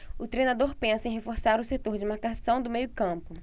o treinador pensa em reforçar o setor de marcação do meio campo